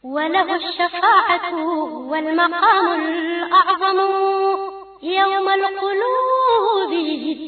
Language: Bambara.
Wa wa ɲa